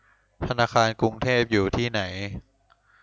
ธนาคารกรุงเทพอยู่ที่ไหน